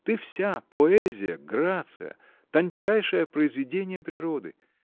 Ты вся — поэзия, грация, тончайшее произведение природы!